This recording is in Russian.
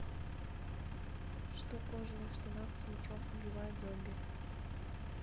что кожаных штанах с мечом убивает зомби